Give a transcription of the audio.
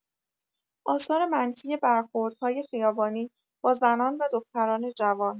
آثار منفی برخوردهای خیابانی با زنان و دختران جوان